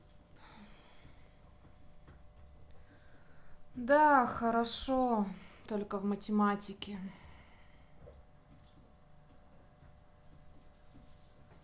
да хорошо только в математике